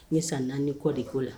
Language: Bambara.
Ne san naani kɔ de koo la